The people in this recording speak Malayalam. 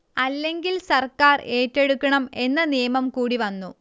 അല്ലെങ്കിൽ സർക്കാർ ഏറ്റെടുക്കണം എന്ന നിയമം കൂടി വന്നു